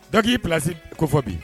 Daki'i plasi ko fɔ bi